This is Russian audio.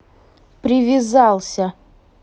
привязался